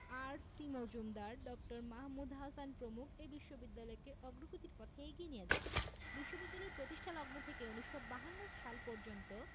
R C Majumdar ড. মাহমুদ হাসান প্রমুখ এ বিশ্ববিদ্যালয়কে অগ্রগতির পথে এগিয়ে নিয়ে যান বিশ্ববিদ্যালয় প্রতিষ্ঠালগ্ন থেকে ১৯৫২ সাল পর্যন্ত